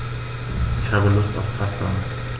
Ich habe Lust auf Pasta.